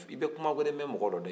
i bɛ kuma wɛrɛ mɛ mɔgɔ dɔ da